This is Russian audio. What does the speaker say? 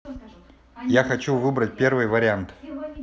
я хочу выбрать первый вариант